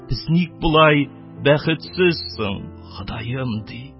Без ник болай бәхетсез соң ходаем!! -ди.